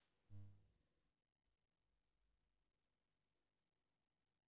а что ты у меня отсосешь нормально вкусно и ласково